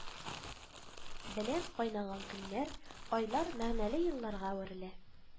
Белән кайнаган көннәр, айлар мәгънәле елларга әверелә